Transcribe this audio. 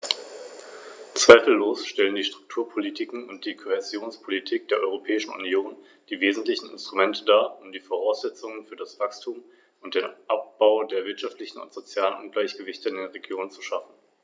Ich habe mich meiner Stimme enthalten, weil die Frage der Sprachenregelung immer noch nicht ganz geklärt ist.